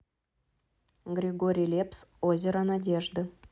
григорий лепс озеро надежды